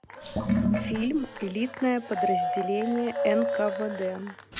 фильм элитное подразделение нквд